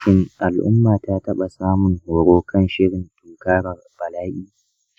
shin al’umma ta taɓa samun horo kan shirin tunkarar bala’i?